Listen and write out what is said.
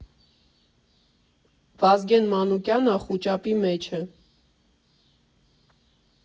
Վազգեն Մանուկյանը խուճապի մեջ է։